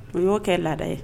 U y'o kɛ laada ye.